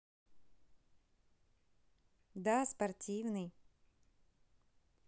да спортивный